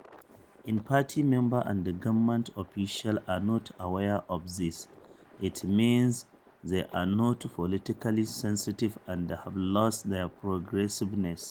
If party members and government officials are not aware of this, it means that they are not politically sensitive and have lost their progressiveness.